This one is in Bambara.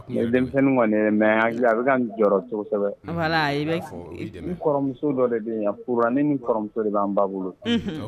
Denmisɛnnin kɔni ye mais hakili a bɛ k'an jɔrɔ cokosɛbɛ voilà i be i fo i dɛmɛ n kɔrɔmuso dɔ de be yan furula ne ni n kɔrɔmuso de b'an ba bolo unhun